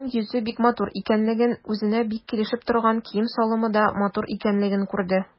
Аның йөзе бик матур икәнлеген, үзенә бик килешеп торган кием-салымы да матур икәнлеген күрде.